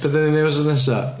Be ydan ni'n wneud wythnos nesa?